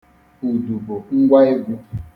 Udu bụ ngwa egwu.